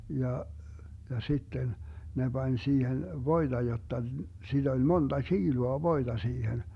ja ja sitten ne pani siihen voita jotta sitä oli monta kiloa voita siihen